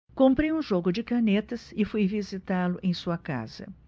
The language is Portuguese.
comprei um jogo de canetas e fui visitá-lo em sua casa